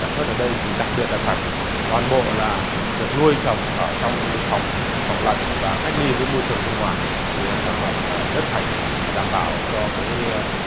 sản xuất ở đây thì đặc biệt là sạch toàn bộ là được nuôi trồng ở trong phòng phòng lạnh và cách ly với môi trường bên ngoài thì sản phẩm là rất sạch đảm bảo cho cái